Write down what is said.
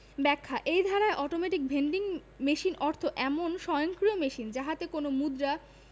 ব্যাখ্যাঃ এই ধারায় অটোমেটিক ভেন্ডিং মেশিন অর্থ এমন স্বয়ংক্রিয় মেশিন যাহাতে কোন মুদ্রা